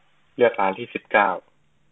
เลือกร้านที่สิบเก้า